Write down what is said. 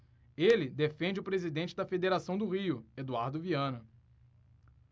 ele defende o presidente da federação do rio eduardo viana